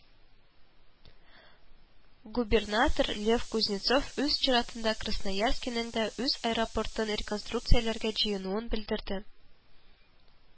Губернатор Лев Кузнецов үз чиратында Красноярскиның да үз аэропортын рекорнструкцияләргә җыенуын белдерде